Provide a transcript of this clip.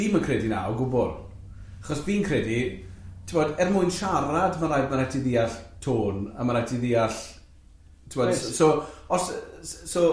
Fi'm yn credu na, o gwbl, achos fi'n credu, t'mod, er mwyn siarad, ma' raid ma' raid ti ddiall tone, a ma' raid ti ddiall, t'mod, so os yy s- so,